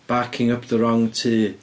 Barking up the wrong tŷ.